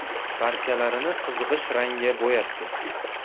parchalarini qizg'ish rangga bo'yabdi